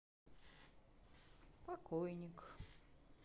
покойник